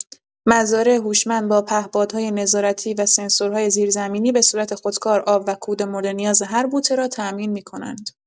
مزارع هوشمند با پهپادهای نظارتی و سنسورهای زیرزمینی به‌صورت خودکار آب و کود مورد نیاز هر بوته را تامین می‌کنند.